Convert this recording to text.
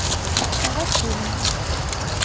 с новосельем